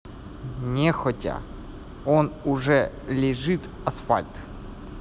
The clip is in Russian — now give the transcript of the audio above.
нехотя он уже лежит асфальт